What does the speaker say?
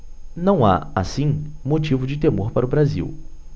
não há assim motivo de temor para o brasil